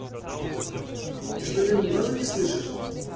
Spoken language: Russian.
ты что левым глазом не слышишь